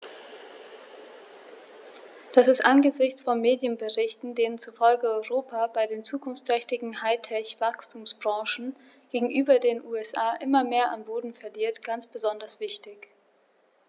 Das ist angesichts von Medienberichten, denen zufolge Europa bei den zukunftsträchtigen High-Tech-Wachstumsbranchen gegenüber den USA immer mehr an Boden verliert, ganz besonders wichtig.